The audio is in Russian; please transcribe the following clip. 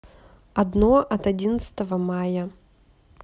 одно от одиннадцатого мая